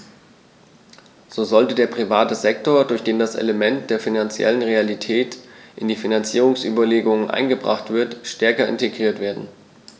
So sollte der private Sektor, durch den das Element der finanziellen Realität in die Finanzierungsüberlegungen eingebracht wird, stärker integriert werden.